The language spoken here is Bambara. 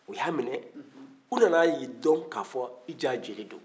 o y'a minɛ u nana dɔn ka fɔ jaa jeli don